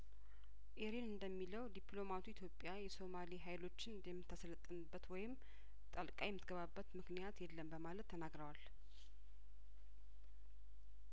ኢሪን እንደሚለው ዲፕሎማቱ ኢትዮጵያ የሶማሌ ሀይሎችን የምታሰለጥንበት ወይም ጣልቃ የምትገባበት ምክንያት የለም በማለት ተናግረዋል